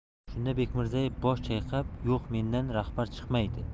shunda bekmirzaev bosh chayqab yo'q mendan rahbar chiqmaydi